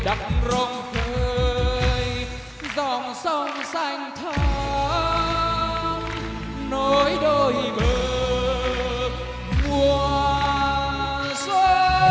đắc rông hỡi dòng dông xanh thẳm nối đôi bờ mua xuân